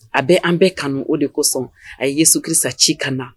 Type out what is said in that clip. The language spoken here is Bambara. A bɛ an bɛɛ kanu o de kosɔn a ye sukisa ci ka na